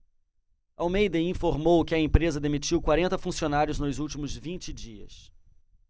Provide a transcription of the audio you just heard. almeida informou que a empresa demitiu quarenta funcionários nos últimos vinte dias